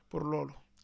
pour loolu